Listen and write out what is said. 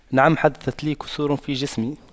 نعم حدثت لي كسور في جسمي